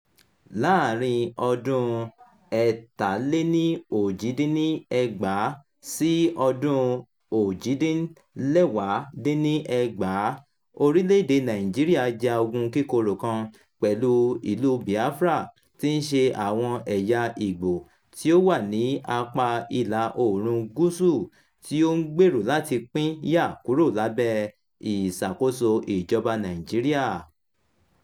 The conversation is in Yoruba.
Láàárín 1967 sí 1970, orílẹ̀-èdèe Nàìjíríà ja ogun kíkorò kan pẹ̀lú ìlúu Biafra tí í ṣe àwọn ẹ̀yà Igbo tí ó wà ní apá ìlà-oòrùn gúúsù, tí ó ń gbèrò láti pín yà kúrò lábẹ́ ìṣàkóso ìjọba Nàìjíríà.